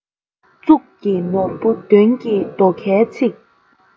གཙུག གི ནོར བུ དོན གྱི རྡོ ཁའི ཚིག